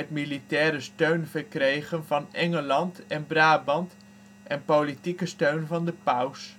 militaire steun verkregen van Engeland en Brabant en politieke steun van de paus